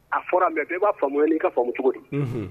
A fɔra mɛ bɛɛ i b'a faamuyamu' i ka famu cogo di